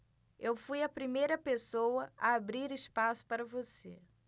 eu fui a primeira pessoa a abrir espaço para você